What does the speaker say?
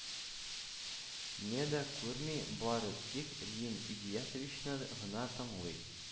Не дә күрми, бары тик рим идиятовичны гына тыңлый,